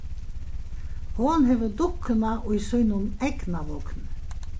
hon hevur dukkuna í sínum egna vogni